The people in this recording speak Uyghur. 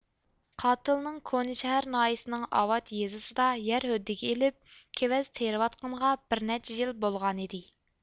قاتىلنىڭ كونىشەھەر ناھىيىسىنىڭ ئاۋات يېزىسىدە يەر ھۆددىگە ئېلىپ كېۋەز تېرىۋاتقىنىغا بىر نەچچە يىل بولغانىدى